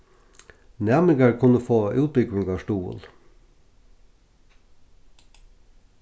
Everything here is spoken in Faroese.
næmingar kunnu fáa útbúgvingarstuðul